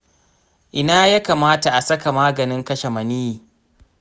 ina ya kamata a saka maganin kashe maniyyi?